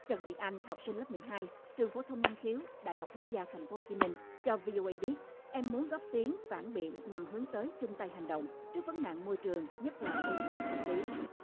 trần việt anh học sinh lớp mười hai trường phổ thông năng khiếu đại học quốc gia thành phố hồ chí minh cho vi âu ây biết em muốn góp tiếng phản biện nhằm hướng tới chung tay hành động trước vấn nạn môi trường nhất là ô nhiễm không khí